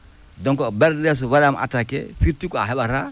donc bernde nɗee so waɗaama attaqué firti ko a heɓataa